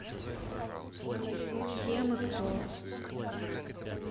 все мы кто